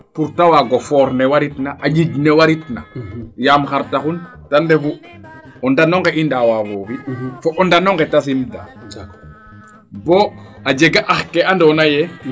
pour te waago fort ne warit na a njiiƴ ne waritna yaam xar taxun ten refu o ndano nge i ndaawa foofi fo o ndano nge te simdaa bo a jega ax ke ando naye